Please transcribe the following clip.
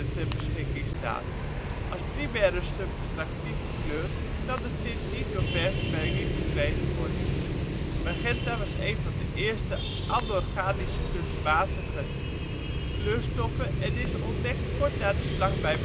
ter beschikking staat. Als primaire subtractieve kleur kan de tint niet door verfmenging verkregen worden. Magenta was één van de eerste anorganische kunstmatige (in dit geval aniline) kleurstoffen en is ontdekt kort na de Slag bij Magenta